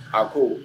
A ko